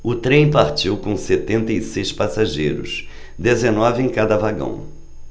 o trem partiu com setenta e seis passageiros dezenove em cada vagão